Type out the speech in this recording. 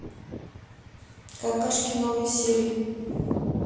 какашки новые серии